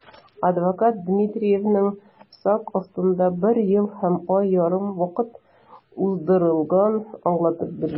Адвокат Дмитриевның сак астында бер ел һәм ай ярым вакыт уздырганлыгын аңлатып бирде.